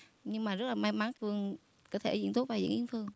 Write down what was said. nhưng mà rất là may mắn phương có thể diễn tốt vai diễn yến phương